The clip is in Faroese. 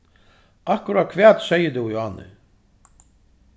akkurát hvat segði tú í áðni